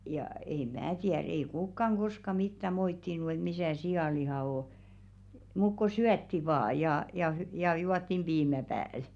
ja ei minä tiedä ei kukaan koskaan mitään moittinut että missä sianliha on mutta kun syötiin vain ja ja - ja juotiin piimä päälle